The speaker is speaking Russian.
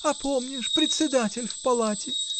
— А помнишь: председатель в палате?